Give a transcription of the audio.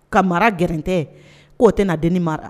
Ka mara garante'o tɛ na den ni mara